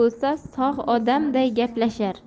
bo'lsa sog' odamday gaplashar